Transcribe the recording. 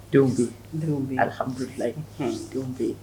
Denw bɛ yen bɛhamdu fila ye denw bɛ yen